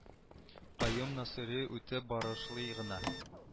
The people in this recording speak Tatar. Каюм насыйри үтеп барышлый гына